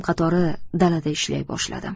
qatori dalada ishlayboshladim